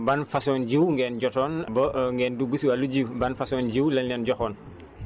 ban façon jiw ngeen jotoon ba ngeen dugg si wàll ji ban façon jiw lañ leen joxoon